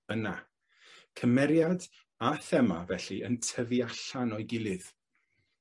yna. Cymeriad a thema felly yn tyfu allan o'i gilydd.